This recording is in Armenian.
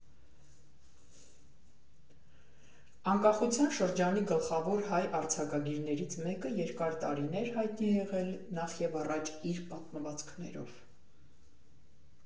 Անկախության շրջանի գլխավոր հայ արձակագիրներից մեկը երկար տարիներ հայտնի եղել նախևառաջ իր պատմվածքներով։